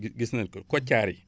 gi gis nañ ko Kotiari